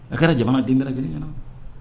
A kɛra jamana den bɛɛ lajɛlen ɲɛna